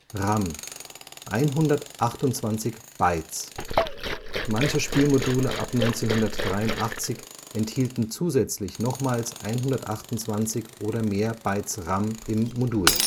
RAM: 128 Bytes; manche Spielmodule ab 1983 enthielten zusätzlich nochmals 128 oder mehr Bytes RAM im Modul